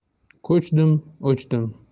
ko'chdim o'chdim